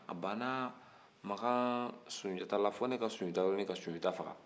a banna makan sunjata la fo ne ka sunjata wele ka sunjata faga